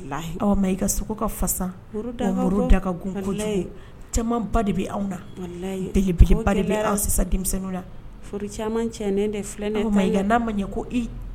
Caman ba de bɛ anw sisan la caman cɛ de ma n'a ma ɲɛ ko